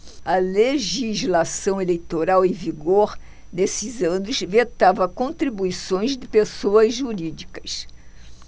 a legislação eleitoral em vigor nesses anos vetava contribuições de pessoas jurídicas